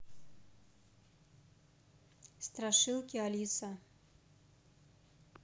страшилки алиса